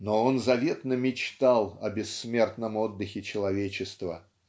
Но он заветно мечтал о бессмертном отдыхе человечества.